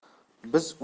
biz uni qanday